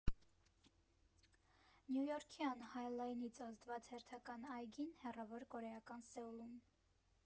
Նյույորքյան Հայ Լայնից ազդված հերթական այգին՝ հեռավոր կորեական Սեուլում։